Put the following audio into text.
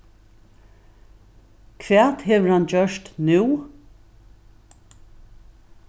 hvat hevur hann gjørt nú